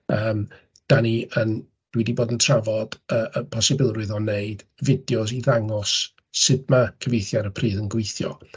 Yym, dan ni yn... dwi 'di bod yn trafod y y posibilrwydd o wneud fideos i ddangos sut ma' cyfeithu ar y pryd yn gweithio.